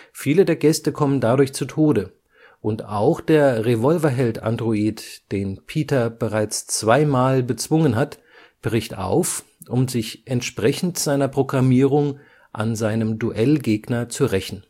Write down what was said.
Viele der Gäste kommen dadurch zu Tode, und auch der Revolverheld-Android, den Peter bereits zweimal bezwungen hat, bricht auf, um sich entsprechend seiner Programmierung an seinem Duell-Gegner zu rächen